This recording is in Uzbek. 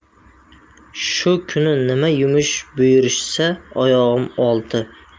shu kuni nima yumush buyurishsa oyog'im olti